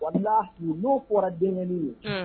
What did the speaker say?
wallahi n'o fɔra denkɛnin ye